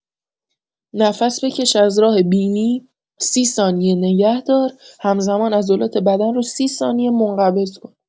نفس بکش از راه بینی، ۳۰ ثانیه نگه‌دار، همزمان عضلات بدن رو ۳۰ ثانیه منقبض کن.